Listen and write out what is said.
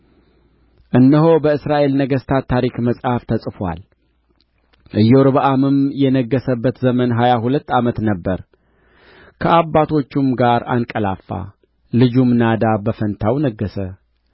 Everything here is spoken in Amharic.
እነሆ በእስራኤል ነገሥታት ታሪክ መጽሐፍ ተጽፎአል ኢዮርብዓምም የነገሠበት ዘመን ሀያ ሁለት ዓመት ነበረ ከአባቶቹም ጋር አንቀላፋ ልጁም ናዳብ በፋንታው ነገሠ